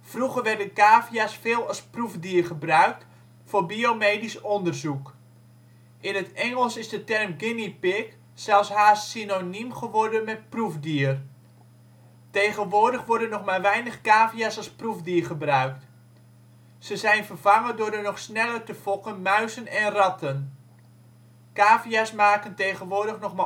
Vroeger werden cavia 's veel als proefdier gebruikt voor (bio) medisch onderzoek. In het Engels is de term ' guinea pig ' zelfs haast synoniem geworden met proefdier. Tegenwoordig worden nog maar weinig cavia 's als proefdier gebruikt. Ze zijn vervangen door de nog sneller te fokken muizen en ratten. Cavia 's maken tegenwoordig nog